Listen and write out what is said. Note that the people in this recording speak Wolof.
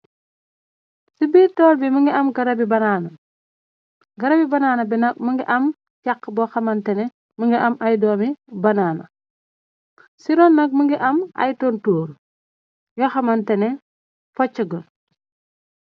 Si biir tool bi mugii am garap bi banana, garap bi banana bi mugii am chaxa bo xamneh ni mugii am doomi banana, si ron nak mugii ameh tontorr yu xamanteh ne fochagut.